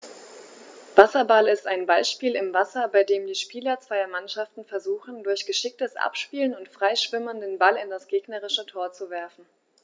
Wasserball ist ein Ballspiel im Wasser, bei dem die Spieler zweier Mannschaften versuchen, durch geschicktes Abspielen und Freischwimmen den Ball in das gegnerische Tor zu werfen.